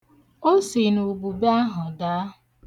O si n'ubube ahụ daa.